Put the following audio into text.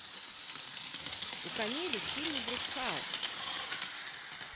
у камиля сильный друг халк